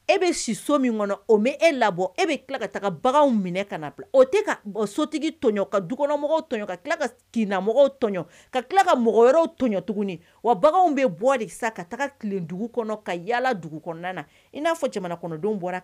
E bɛ so min o e labɔ e bɛ tila ka bagan minɛ ka o sotigi tɔ ka dukɔnɔmɔgɔ tɔ ka tila kamɔgɔ tɔ ka tila ka mɔgɔ wɛrɛ tɔ tuguni wa bagan bɛ bɔ de ka tile dugu kɔnɔ ka yaala dugu kɔnɔna na i n'a fɔ jamana kɔnɔdenw bɔra